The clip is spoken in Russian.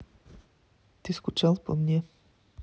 ты скучал по мне